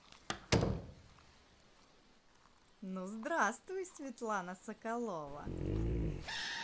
ну здравствуй светлана соколова